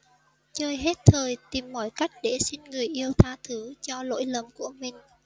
chơi hết thời tìm mọi cách để xin người yêu tha thứ cho lỗi lầm của mình